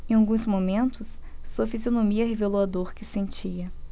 em alguns momentos sua fisionomia revelou a dor que sentia